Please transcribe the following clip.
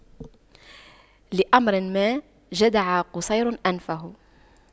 لأمر ما جدع قصير أنفه